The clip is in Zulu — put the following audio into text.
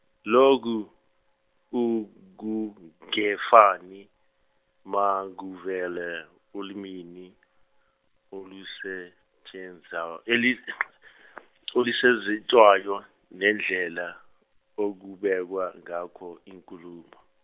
lokhu ukungefani makuvele olimini olusetshenziswayo olusethenziswayo nendlela okubekwa ngayo inkulumo.